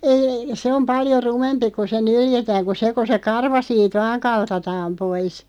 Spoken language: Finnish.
ei se on paljon rumempi kun se nyljetään kuin se kun se karva siitä vain kaltataan pois